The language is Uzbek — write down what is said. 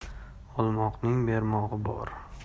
olmoqning bermog'i bor